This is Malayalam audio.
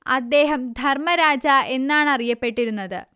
അദ്ദേഹം ധർമ്മരാജ എന്നാണറിയപ്പെട്ടിരുന്നത്